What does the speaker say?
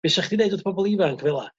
be' 'sa chdi neud wrth pobol ifanc fela